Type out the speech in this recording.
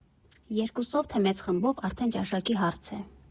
Երկուսով, թե մեծ խմբով՝ արդեն ճաշակի հարց է։